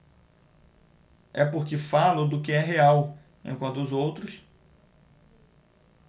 é porque falo do que é real enquanto os outros